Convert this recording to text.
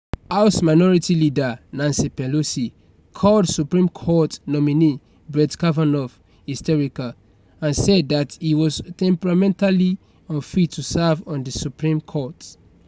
House Minority Leader Nancy Pelosi called Supreme Court nominee Brett Kavanaugh "hysterical" and said that he was temperamentally unfit to serve on the Supreme Court.